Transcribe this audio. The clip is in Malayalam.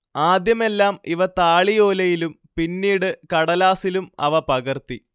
ആദ്യമെല്ലാം ഇവ താളിയോലയിലും പിന്നീട് കടലാസിലും അവ പകർത്തി